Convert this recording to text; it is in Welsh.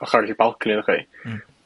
ochor arall i balcony iddo chi? Hmm.